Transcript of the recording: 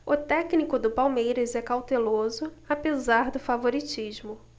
o técnico do palmeiras é cauteloso apesar do favoritismo